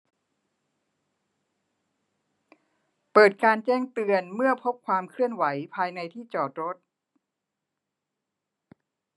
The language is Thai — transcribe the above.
เปิดการแจ้งเตือนเมื่อพบความเคลื่อนไหวภายในที่จอดรถ